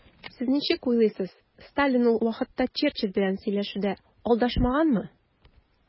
Сез ничек уйлыйсыз, Сталин ул вакытта Черчилль белән сөйләшүдә алдашмаганмы?